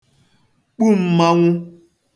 kpu m̄mānwụ̄